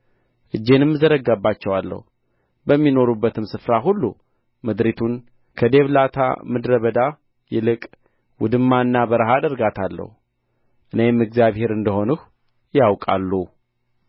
እጄንም እዘረጋባቸዋለሁ በሚኖሩበትም ስፍራ ሁሉ ምድሪቱን ከዴብላታ ምድረ በዳ ይልቅ ውድማና በረሃ አደርጋታለሁ እኔም እግዚአብሔር እንደ ሆንሁ ያውቃሉ